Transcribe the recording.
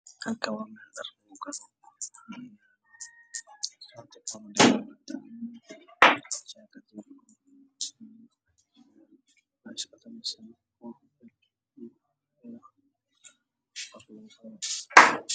Waa carwo waxaa ii muuqda shati haddaan waxaa ku dhegan jaakadir oo gaaban waxaa ka dambeeyo dhar farabadan